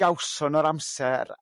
gawson nhw'r amser